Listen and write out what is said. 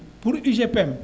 pour UGPM